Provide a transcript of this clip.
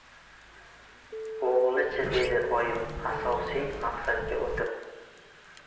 o'g'li chi dedi oyim asosiy maqsadga o'tib